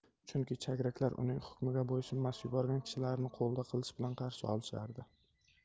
chunki chagraklar uning hukmiga bo'ysunmas yuborgan kishilarini qo'lda qilich bilan qarshi olishardi